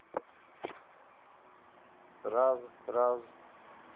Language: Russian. раз раз